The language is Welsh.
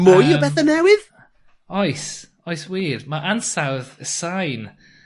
Yym. Mwy o bethe newydd? Oes oes wir ma' ansawdd y sain